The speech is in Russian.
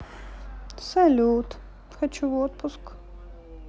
салют хочу в отпуск